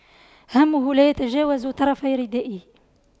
همه لا يتجاوز طرفي ردائه